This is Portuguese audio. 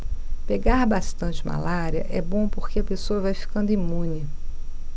pegar bastante malária é bom porque a pessoa vai ficando imune